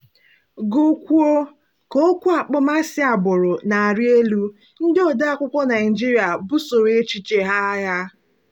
Gụ kwuo: Ka okwu akpọmasị agbụrụ na-arị elu, ndị odeeakwụkwọ Naịjirịa busoro echiche a agha.